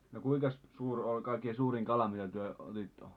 no kuinkas suuri oli kaikkein suurin kala mitä te otitte